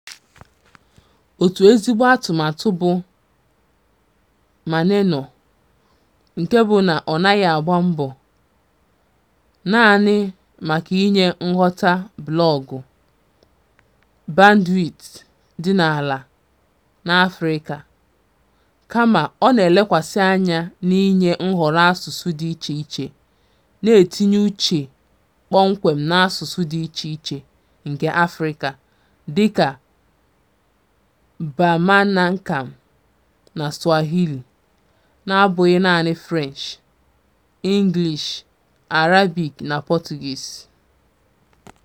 Otu ezigbo atụmatụ bụ Maneno, nke bụ na ọ naghị agba mbọ naanị maka inye ngwọta blọọgụ bandwit dị ala n'Afrịka, kama ọ na-elekwasị anya n'inye nhọrọ asụsụ dị icheiche na-etinye uche kpọmkwem n'asụsụ dị icheiche nke Afrịka dịka Bamanankan na Swahili, n'abụghị naanị French, English, Arabic na Portuguese.